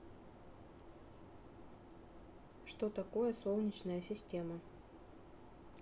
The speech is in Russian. что такое солнечная система